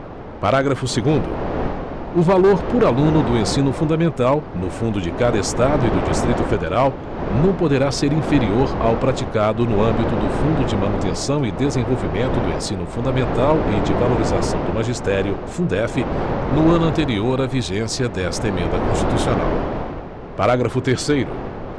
parágrafo segundo o valor por aluno do ensino fundamental no fundo de cada estado e do distrito federal não poderá ser inferior ao praticado no âmbito do fundo de manutenção e desenvolvimento do ensino fundamental e de valorização do magistério fundef no ano anterior à vigência desta emenda constitucional parágrafo terceiro